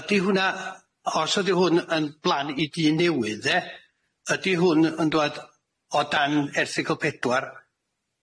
Yy ydi hwnna os ydi hwn yn blan i dyn newydd de ydi hwn yn dŵad o dan erthygl pedwar